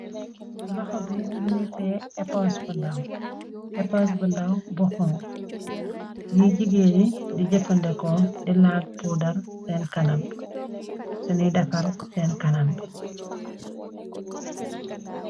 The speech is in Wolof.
Lokho bi mugi teey esponse bu ndaw, esponse bu ndaw bu xonxo. li jigeeni di jefadinko di lal poudarr sen kanam bi, su nyuy defal sen kanam bi